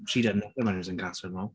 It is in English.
She did nothing when he was in Casa Amor.